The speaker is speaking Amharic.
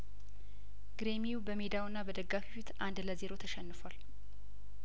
ግሬሚዩ በሜዳውና በደጋፊው ፊት አንድ ለዜሮ ተሸንፏል